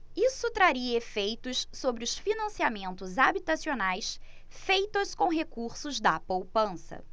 isso traria efeitos sobre os financiamentos habitacionais feitos com recursos da poupança